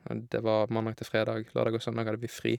Men det var mandag til fredag, lørdag og søndag hadde vi fri.